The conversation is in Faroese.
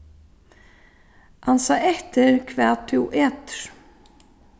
ansa eftir hvat tú etur